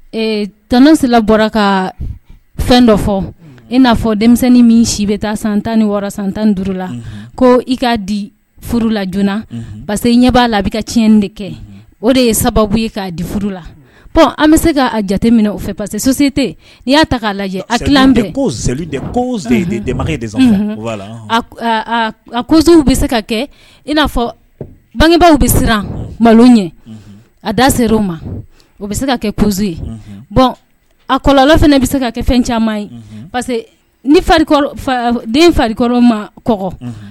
T sera bɔra ka fɛn dɔ fɔ i na fɔ denmisɛnnin min si bɛ taa san tan ni san tan la ko i ka di laj pa ɲɛ b'a la tiɲɛn kɛ o de ye sababu'a di furu la an bɛ se k'a jate o fɛ parce tɛ n'i y'a taa lajɛ de aw bɛ se ka kɛ in n'a fɔ bangebaaw bɛ siran malo ɲɛ a dase' ma o bɛ se ka kɛ koso ye bɔn a kɔlɔ fana bɛ se ka kɛ fɛn caman ye pa den farikɔrɔ ma kɔ